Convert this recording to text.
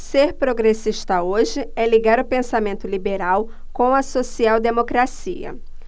ser progressista hoje é ligar o pensamento liberal com a social democracia